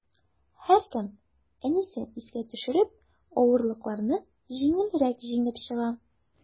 Һәркем, әнисен искә төшереп, авырлыкларны җиңелрәк җиңеп чыга.